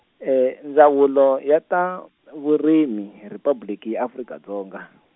Ndzawulo ya ta Vurimi Riphabliki ya Afrika Dzonga.